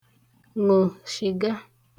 ṅụ shị̀ga